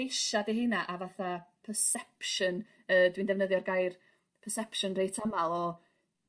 eisa 'di hynna a fatha perception yy dwi'n defnyddio'r gair perception reit amal o